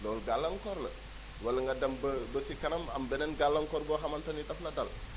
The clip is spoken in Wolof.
loolu gàllankoor la wala nga dem ba ba si kanam am beneen gàllankoor boo xamante ni daf la dal